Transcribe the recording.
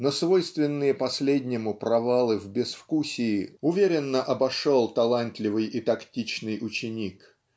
но свойственные последнему провалы в безвкусие уверенно обошел талантливый и тактичный ученик.